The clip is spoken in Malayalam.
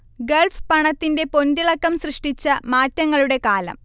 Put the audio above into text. ഗൾഫ് പണത്തിന്റെ പൊൻതിളക്കം സൃഷ്ടിച്ച മാറ്റങ്ങളുടെ കാലം